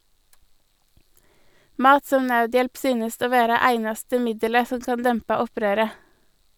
Mat som naudhjelp synest å vera einaste middelet som kan dempa opprøret.